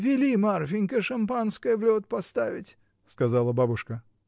Вели, Марфинька, шампанское в лед поставить. — сказала бабушка.